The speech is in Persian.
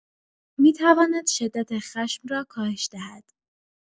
می‌تواند شدت خشم را کاهش دهد.